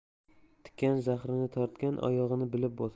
tikan zahrini tortgan oyog'ini bilib bosar